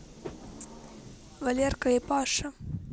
валерка и паша